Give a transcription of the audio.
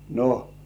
no